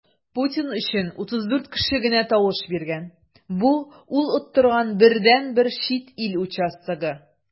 Путин өчен 34 кеше генә тавыш биргән - бу ул оттырган бердәнбер чит ил участогы.